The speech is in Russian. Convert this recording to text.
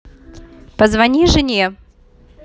позвони жене